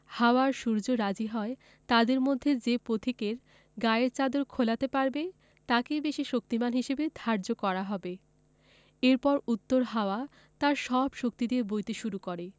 হাওয়া আর সূর্য রাজি হয় তাদের মধ্যে যে পথিকে গায়ের চাদর খোলাতে পারবে তাকেই বেশি শক্তিমান হিসেবে ধার্য করা হবে এরপর উত্তর হাওয়া তার সব শক্তি দিয়ে বইতে শুরু করে